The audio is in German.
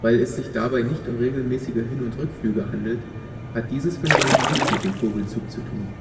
Weil es dabei nicht um regelmäßige Hin - und Rückflüge handelt, hat dieses Phänomen nichts mit dem Vogelzug zu tun